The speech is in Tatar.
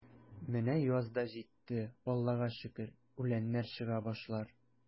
Менә яз да житте, Аллага шөкер, үләннәр чыга башлар.